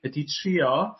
ydi trio